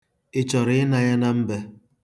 Ị chọrọ ịna ya na mbe?